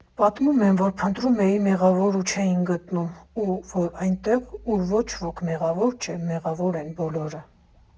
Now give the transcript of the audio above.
Պատմում են, որ փնտրում էին մեղավոր ու չէին գտնում, ու որ այնտեղ, ուր ոչ ոք մեղավոր չէ, մեղավոր են բոլորը…